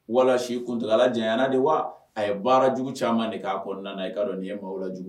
Walasa kuntu janyaraana de wa a ye baara jugu caman de k'a kɔnɔna nana i' dɔn nin ye maa la jugu